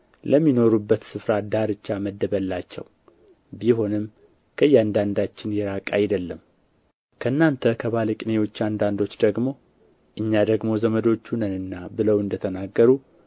ለሚኖሩበት ስፍራ ዳርቻ መደበላቸው ቢሆንም ከእያንዳንዳችን የራቀ አይደለም ከእናንተ ከባለ ቅኔዎች አንዳንዶች ደግሞ እኛ ደግሞ ዘመዶቹ ነንና ብለው እንደ ተናገሩ